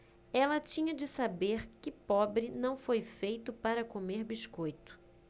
ela tinha de saber que pobre não foi feito para comer biscoito